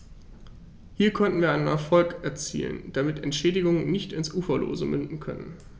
Hier konnten wir einen Erfolg erzielen, damit Entschädigungen nicht ins Uferlose münden können.